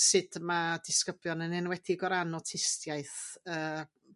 sud ma' disgyblion yn enwedig o ran awtistiaeth